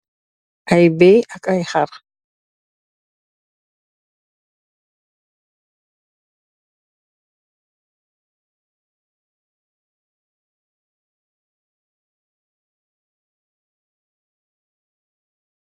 Ay bèy ak ay xàr.